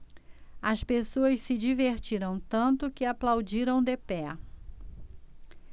as pessoas se divertiram tanto que aplaudiram de pé